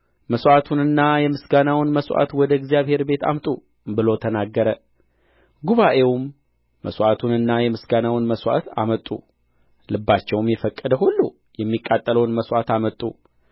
መሥዋዕቱንና የምስጋናውን መስዋዕት አመጡ ልባቸውም የፈቀደ ሁሉ የሚቃጠለውን መሥዋዕት አመጡ